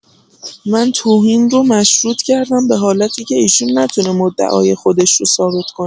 من توهین رو مشروط کردم به حالتی که ایشون نتونه مدعای خودش رو ثابت کنه